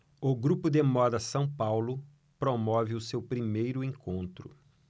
o grupo de moda são paulo promove o seu primeiro encontro